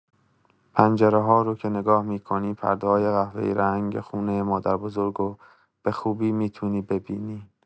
پنجره‌ها رو که نگاه می‌کنی، پرده‌های قهوه‌ای‌رنگ خونه مادر بزرگو به خوبی می‌تونی ببینی.